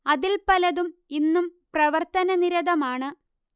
അതിൽ പലതും ഇന്നും പ്രവർത്തനനിരതമാണ്